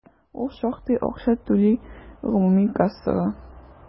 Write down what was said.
Ул шактый акча түли гомуми кассага.